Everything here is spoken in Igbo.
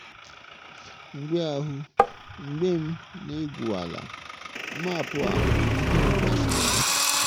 Mgbe ahụ, mgbe m na-egwu ala, maapụ a bụ ihe m gbasoro.